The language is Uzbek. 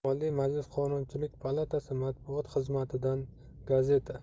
oliy majlis qonunchilik palatasi matbuot xizmatidan gazeta